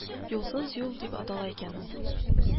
«юлсыз юл» дип атала икән ул.